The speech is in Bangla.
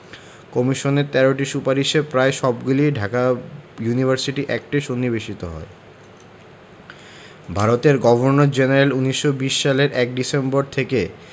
কমিশনের ১৩টি সুপারিশের প্রায় সবগুলিই ঢাকা ইউনিভার্সিটি অ্যাক্টে সন্নিবেশিত হয় ভারতের গভর্নর জেনারেল ১৯২০ সালের ১ ডিসেম্বর থেকে